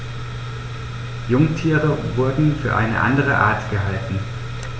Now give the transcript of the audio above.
Jungtiere wurden für eine andere Art gehalten.